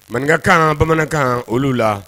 Mankan bamanankan olu la